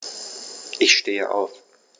Ich stehe auf.